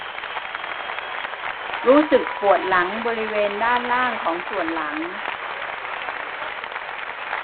รู้สึกปวดหลังบริเวณด้านล่างของส่วนหลัง